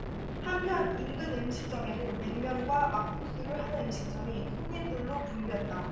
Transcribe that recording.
한편 인근 음식점에도 냉면과 막국수를 하는 음식점이 손님들로 붐볐다